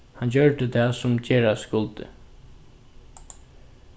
hann gjørdi tað sum gerast skuldi